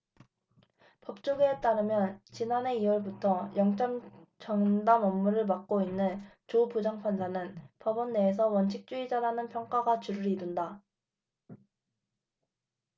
법조계에 따르면 지난해 이 월부터 영장전담 업무를 맡고 있는 조 부장판사는 법원 내에서 원칙주의자라는 평가가 주를 이룬다